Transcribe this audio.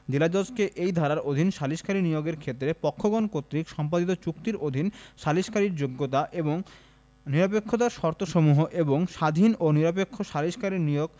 জেলাজজকে এই ধারার অধীন সালিসকারী নিয়োগের ক্ষেত্রে পক্ষগণ কর্তৃক সম্পাদিত চুক্তির অধীন সালিসকারীর যোগ্যতা এবং নিরপেক্ষতার শর্তসমূহ এবং স্বাধীন ও নিরপেক্ষ সালিসকারী নিয়োগ